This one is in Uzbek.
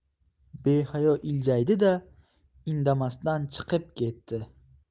behayo iljaydi da indamasdan chiqib ketdi